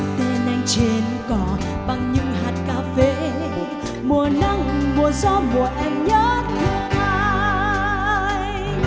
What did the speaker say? tên anh trên cỏ bằng những hạt cà phê mùa nắng mùa gió mùa em nhớ thương anh